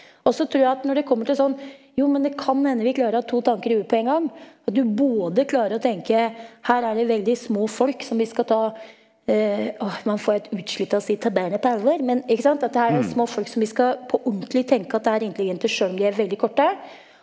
også trur jeg at når det kommer til sånn jo men det kan hende vi klarer å ha to tanker i huet på en gang, at du både klarer å tenke, her er det veldig små folk som vi skal ta å man får helt utslett av å si ta barnet på alvor men ikke sant at her er det små folk som vi skal på ordentlig tenke at er intelligente sjøl om de er veldig korte.